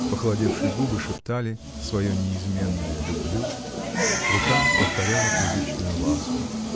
Похолодевшие губы шептали свое неизменное “люблю”, рука повторяла привычную ласку.